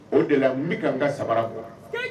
O de la n bɛ ka n ka samara kɔnɔ.